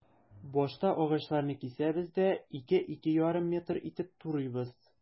Башта агачларны кисәбез дә, 2-2,5 метр итеп турыйбыз.